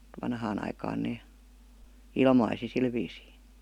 vanhaan aikaan ne ilmaisi sillä viisiin